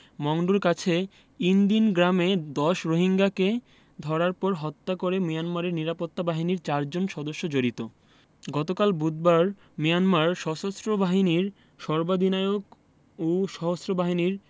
মংডুর কাছে ইনদিন গ্রামে ১০ রোহিঙ্গাকে ধরার পর হত্যার সঙ্গে মিয়ানমারের নিরাপত্তা বাহিনীর চারজন সদস্য জড়িত গতকাল বুধবার মিয়ানমার সশস্ত্র বাহিনীর সর্বাধিনায়ক ও সশস্ত্র বাহিনীর